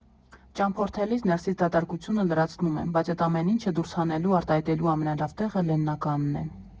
Ճամփորդելիս ներսիս դատարկությունը լրացնում եմ, բայց էդ ամեն ինչը դուրս հանելու, արտահայտելու ամենալավ տեղը Լեննականն է»։